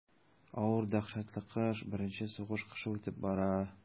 Авыр дәһшәтле кыш, беренче сугыш кышы үтеп бара.